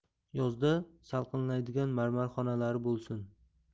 yozda salqinlaydigan marmar xo nalari bo'lsin